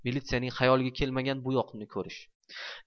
militsiyaning xayolig'a kelmagan bu yoqni ko'rish